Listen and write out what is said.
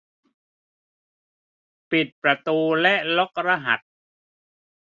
ปิดประตูและล็อกรหัส